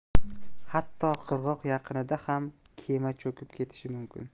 hatto qirg'oq yaqinida ham kema cho'kib ketishi mumkin